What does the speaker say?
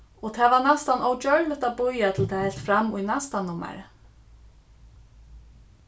og tað var næstan ógjørligt at bíða til tað helt fram í næsta nummari